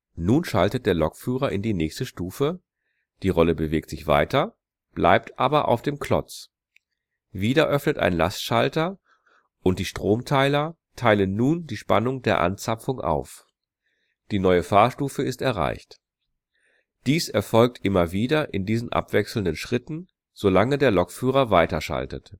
Nun schaltet der Lokführer in die nächste Stufe, die Rolle bewegt sich weiter, bleibt aber auf dem Klotz. Wieder öffnet ein Lastschalter, und die Stromteiler teilen nun die Spannung der Anzapfung auf. Die neue Fahrstufe ist erreicht. Dies erfolgt immer wieder in diesen abwechselnden Schritten, solange der Lokführer weiterschaltet